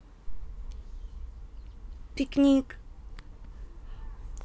пикник